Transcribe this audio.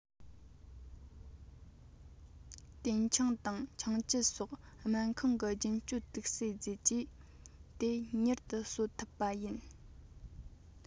ཏེན ཆང དང ཆང བཅུད སོགས སྨན ཁང གི རྒྱུན སྤྱོད དུག སེལ རྫས ཀྱིས དེ མྱུར དུ གསོད ཐུབ པ ཡིན